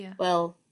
Ia.Wel.